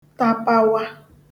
tapawa